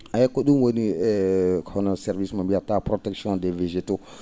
eeyi ko?um woni hono service mo biyata protection des végétaux